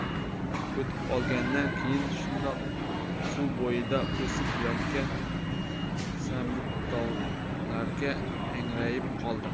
o'tib olgandan keyin shundoq suv bo'yida o'sib yotgan sambittollarga angrayib qoldim